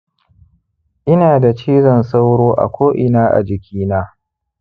ina da cizon sauro a ko'ina a jikina